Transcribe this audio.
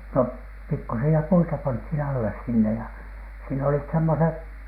no pikkuisia puita pantiin alle sinne ja siinä olivat semmoiset